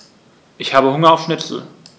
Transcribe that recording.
Ich habe Hunger auf Schnitzel.